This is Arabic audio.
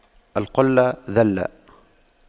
القلة ذلة